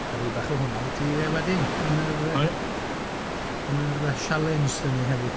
'Da fi bach o hwnna i ti yy wedyn yn yr yy... yn yr yy sialens 'da ni heddi.